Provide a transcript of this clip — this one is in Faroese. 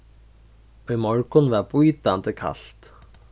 í morgun var bítandi kalt